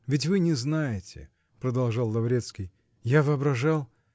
-- Ведь вы не знаете, -- продолжал Лаврецкий, -- я воображал.